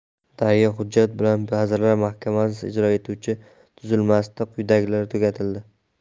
daryo hujjat bilan vazirlar mahkamasi ijro etuvchi tuzilmasida quyidagilar tugatildi